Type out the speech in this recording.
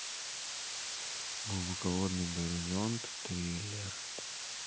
глубоководный горизонт триллер